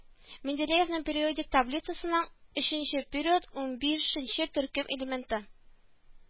Менделеевның периодик таблицасының өченче период, унбишенче төркем элементы